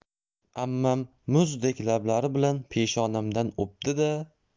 ammam muzdek lablari bilan peshonamdan o'pdi da